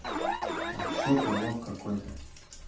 а че ты лох какой то